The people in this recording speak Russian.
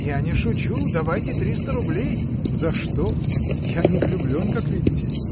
— Я не шучу, давайте триста рублей. — За что? Я не влюблен, как видите.